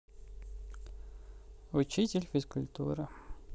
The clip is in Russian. учитель физкультуры